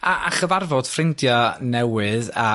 a,a, chyfarfod ffrindia' newydd a